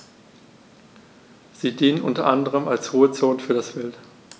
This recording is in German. Sie dienen unter anderem als Ruhezonen für das Wild.